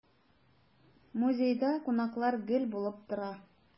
Музейда кунаклар гел булып тора.